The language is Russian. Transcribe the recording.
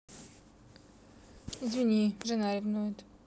извини жена ревнует